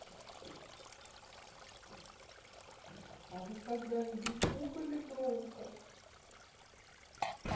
а вы когда нибудь пукали громко